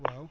waaw